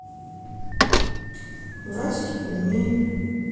уральский пельмень